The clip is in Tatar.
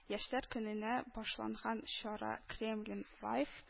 Яшьләр көненә башланган чара “Кремлин лайв”